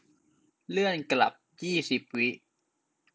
เลื่อนกลับยี่สิบวิ